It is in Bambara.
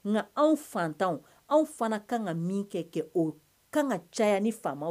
Nka anw fatan fana kan ka min kɛ kɛ o kan ka caya ni faama